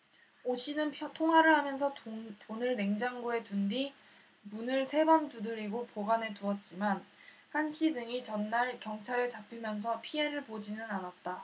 오씨는 통화를 하면서 돈을 냉장고에 둔 뒤 문을 세 번 두드리고 보관해 두었지만 한씨 등이 전날 경찰에 잡히면서 피해를 보지는 않았다